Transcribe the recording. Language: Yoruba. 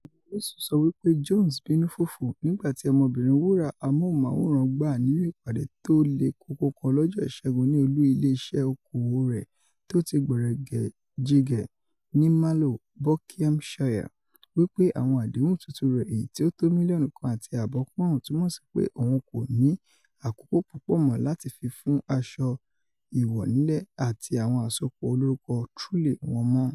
Àwọn orísun sọ wípé Jones ''bínù fùfù'' nígbà tí ọmọbìnrin wúrà amóhὺnmawòràn gbà nínú ìpàdé tó le koko kan lọ́jọ́ Ìṣẹ́gun ní olú ilé-iṣẹ́ oko-òwò rẹ̀ toti gbọ̀rẹ̀gẹ̀digẹ̀ ní Marlow, Buckinghamshire. wípé àwọn àdéhùn tuntun rẹ̀ - èyití ó tó mílíọ̀nù kan àti ààbọ̀ pọ́ùn - túmọ̀ sípé òhun kòní àkókò púpò mọ́ láti fi fún asọ íwọ̀ nílé àti àwọn àsopọ̀ olórúkọ Truly wọn mọ́.